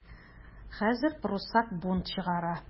Хәзер пруссак бунт чыгара.